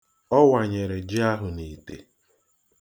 Ọ wanyere ji ahụ n'ite.